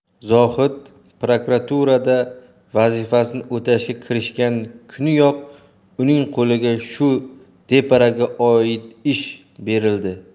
zohid prokuraturada vazifasini o'tashga kirishgan kuniyoq uning qo'liga shu deparaga oid ish berildi